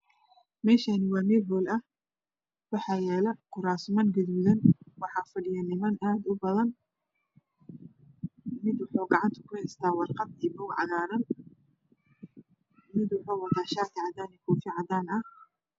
Meshani waa meel hol ah waxaa yala kuras gaduudan waxaa fadhiya niman aad ubadan mid wuxuu gacanta ku heesta warqad iyo buug cagaran mid wuxuu wata shati cadan iyo kofi cadan ah